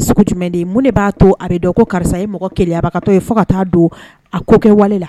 cɛ jumɛn de mun de b'a to a bɛ dɔn ko karisa ye mɔgɔ kelen a ye fo ka taa don a ko kɛwale la